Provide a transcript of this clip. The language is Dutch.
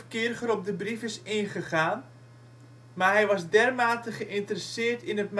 op de brief is ingegaan, maar hij was dermate geïnteresseerd in het manuscript